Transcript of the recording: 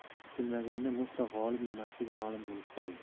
kutilmaganda mutlaq g'olib emasligi ma'lum bo'lib qoldi